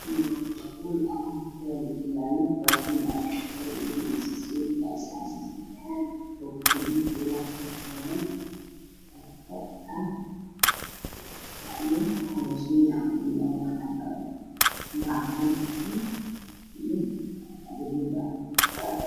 Waa hool ama huteel waxaa yaalo kuraasman iyo miisas aad u faro badan. Ubaxyo gaduud ah iyo kuraasman maro cadaan ah saaran tahay iyo gaduud .